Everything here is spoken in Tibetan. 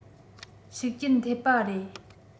ཤུགས རྐྱེན ཐེབས པ རེད